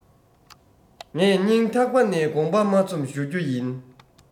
ངས རྙིང ཐག པ ནས དགོང པ མ ཚུམ ཞུ རྒྱུ ཡིན